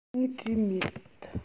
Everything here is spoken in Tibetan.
ངས བྲིས མེད